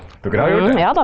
ja da.